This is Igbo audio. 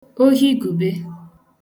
ohiìgùbe